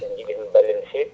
min ji ɓe ɗum balli no fewi